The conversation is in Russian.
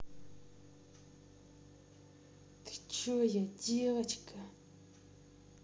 ты че я девочка